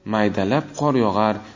maydalab qor yog'ar